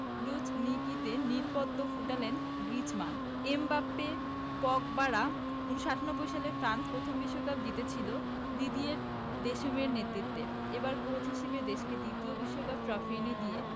লুঝনিকিতে নীল পদ্ম ফোটালেন গ্রিজমান এমবাপ্পে পগবারা ১৯৯৮ সালে ফ্রান্স প্রথম বিশ্বকাপ জিতেছিল দিদিয়ের দেশমের নেতৃত্বে এবার কোচ হিসেবে দেশকে দ্বিতীয় বিশ্বকাপ ট্রফি এনে দিয়ে